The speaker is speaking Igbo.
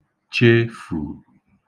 chefù